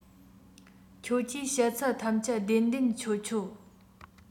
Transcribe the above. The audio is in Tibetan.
ཁྱོད ཀྱིས བཤད ཚད ཐམས ཅད བདེན བདེན འཆོལ འཆོལ